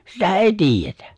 sitä ei tiedetä